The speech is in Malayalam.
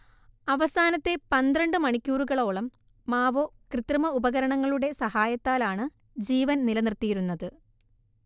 അവസാനത്തെ പന്ത്രണ്ട് മണിക്കൂറുകളോളം മാവോ കൃത്രിമ ഉപകരണങ്ങളുടെ സഹായത്താലാണ് ജീവൻ നിലനിർത്തിയിരുന്നത്